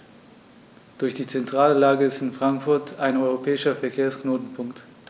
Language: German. Durch die zentrale Lage ist Frankfurt ein europäischer Verkehrsknotenpunkt.